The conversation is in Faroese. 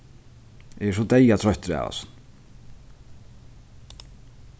eg eri so deyðatroyttur av hasum